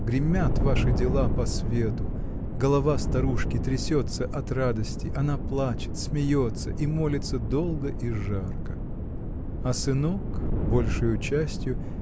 гремят ваши дела по свету – голова старушки трясется от радости она плачет смеется и молится долго и жарко. А сынок большею частью